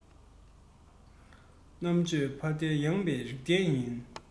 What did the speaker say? རྣམ དཔྱོད ཕ མཐའ ཡངས པའི རིག ལྡན ཡིན